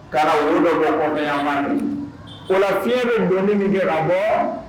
Ka wo dɔ bɔ kɔfɛyanfan fɛ, o la fiɲɛ bɛ donni min kɛ ka bɔ